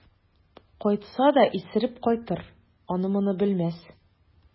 Кайтса да исереп кайтыр, аны-моны белмәс.